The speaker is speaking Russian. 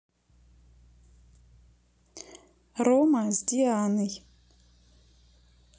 рома с дианой